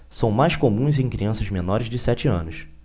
são mais comuns em crianças menores de sete anos